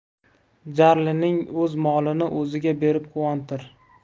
jarlining o'z molini o'ziga berib quvontir